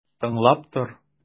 Тыңлап тор!